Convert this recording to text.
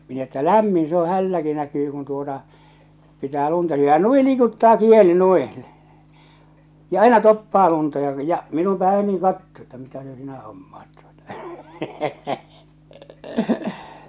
minä että lämmin se on hänelläkin näkyy kun tuota pitää lunta syödä ja noin liikuttaa kieli noin - ja aina toppaa lunta ja ja minuun päin noin katsoo että mitä se sinä hommaat tuota